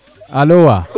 alo wa